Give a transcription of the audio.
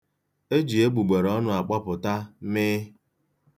E ji egbugbereọnụ akpọpụta /m/.